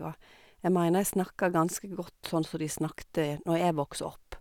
Og jeg mener jeg snakker ganske godt sånn som de snakket når jeg vokste opp.